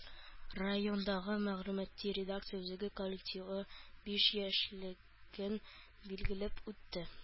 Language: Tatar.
Райондагы мәгълүмати-редакция үзәге коллективы биш яшьлеген билгеләп үтте